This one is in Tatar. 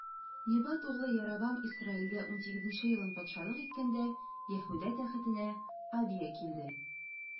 Небат углы Яробам Исраилдә унсигезенче елын патшалык иткәндә, Яһүдә тәхетенә Абия килде.